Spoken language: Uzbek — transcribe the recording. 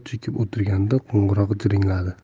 chekib o'tirganda qo'ng'iroq jiringladi